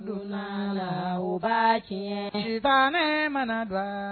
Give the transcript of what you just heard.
Donlonla baa kɛ faama manabila